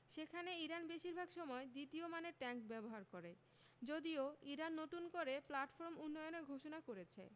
সেখানে ইরান বেশির ভাগ সময় দ্বিতীয় মানের ট্যাংক ব্যবহার করে যদিও ইরান নতুন করে প্ল্যাটফর্ম উন্নয়নের ঘোষণা করেছে